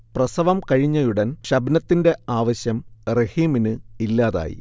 പ്രസവം കഴിഞ്ഞയുടൻ ഷബ്നത്തിന്റെ ആവശ്യം റഹീമിന് ഇല്ലാതായി